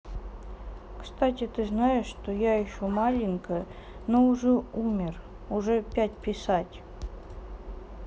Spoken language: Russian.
кстати ты знаешь что я еще маленькая но уже умер уже пять писать